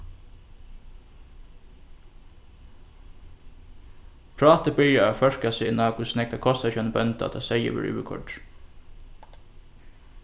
prátið byrjar at førka seg inn á hvussu nógv tað kostar hjá einum bónda tá seyður verður yvirkoyrdur